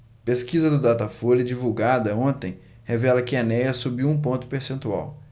pesquisa do datafolha divulgada ontem revela que enéas subiu um ponto percentual